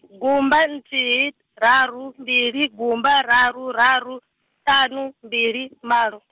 gumba nthihi, raru, mbili gumba raru raru, ṱhanu, mbili, malo.